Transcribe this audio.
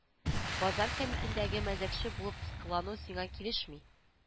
Базар кәмитеңдәге мәзәкче булып кылану сиңа килешми